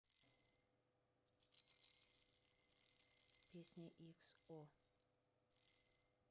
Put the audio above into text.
песня икс о